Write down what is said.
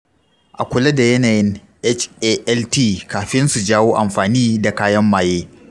a kula da yanayin halt kafin su jawo amfani da kayan maye.